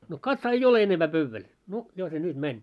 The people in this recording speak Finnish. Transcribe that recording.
no katsohan ei ole enempää pöydällä no jo se nyt meni